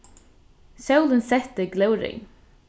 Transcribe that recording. sólin setti glóðreyð